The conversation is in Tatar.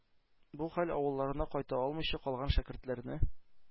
Бу хәл авылларына кайта алмыйча калган шәкертләрне